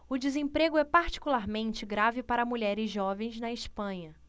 o desemprego é particularmente grave para mulheres jovens na espanha